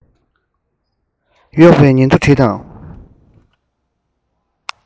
གཡོག པའི ཉིན ཐོ བྲིས དང